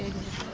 ok